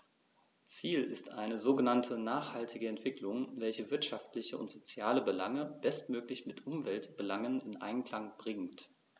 Ziel ist eine sogenannte nachhaltige Entwicklung, welche wirtschaftliche und soziale Belange bestmöglich mit Umweltbelangen in Einklang bringt.